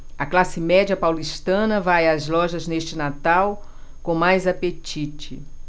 a classe média paulistana vai às lojas neste natal com mais apetite